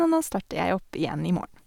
Og nå starter jeg opp igjen i morgen.